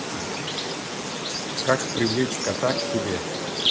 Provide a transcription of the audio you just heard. как привлечь кота к себе